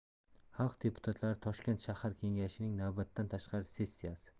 xalq deputatlari toshkent shahar kengashining navbatdan tashqari sessiyasi